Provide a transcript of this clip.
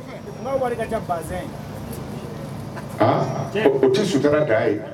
N o tɛ sutura ta ye